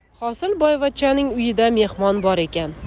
hosilboyvachchaning uyida mehmon bor ekan